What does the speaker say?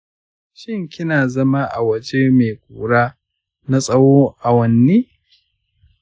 shin kina zama a waje mai kura na tsawon awanni?